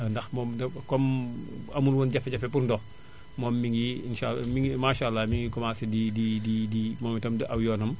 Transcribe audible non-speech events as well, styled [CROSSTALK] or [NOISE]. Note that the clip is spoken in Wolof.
ndax moom de comme amul woon jafe-jafe pour ndox moom mi ngi insaa mi ngi maasàllaa mi ngi commencé di [HESITATION] di di di moom itam di aw yoonam